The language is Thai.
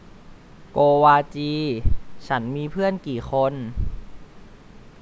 โกวาจีฉันมีเพื่อนกี่คน